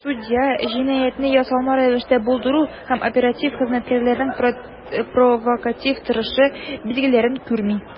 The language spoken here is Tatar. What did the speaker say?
Судья "җинаятьне ясалма рәвештә булдыру" һәм "оператив хезмәткәрләрнең провокатив торышы" билгеләрен күрми.